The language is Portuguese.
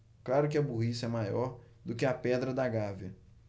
claro que a burrice é maior do que a pedra da gávea